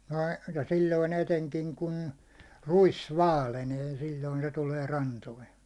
noin ja silloin etenkin kun ruis vaalenee silloin se tulee rantoihin